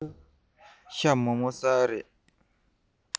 ཤ མོག བཟའ ཀྱི རེད